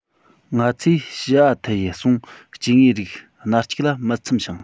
ང ཚོས ཞི ཨ ཐི ཡི གསུང སྐྱེ དངོས རིགས སྣ གཅིག ལ མི འཚམ ཞིང